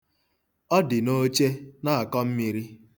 Ọ dị n'oche na-akọ mmiri.